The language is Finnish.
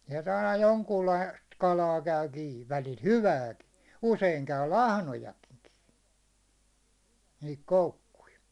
sieltä aina jonkunlaista kalaa käy kiinni välillä hyvääkin usein käy lahnojakin kiinni niihin koukkuihin